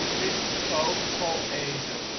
Christelijke Hogeschool Ede